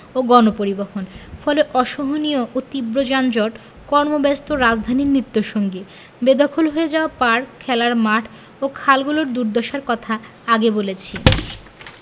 ও গণপরিবহন ফলে অসহনীয় ও তীব্র যানজট কর্মব্যস্ত রাজধানীর নিত্যসঙ্গী বেদখল হয়ে যাওয়া পার্ক খেলার মাঠ ও খালগুলোর দুর্দশার কথা আগে বলেছি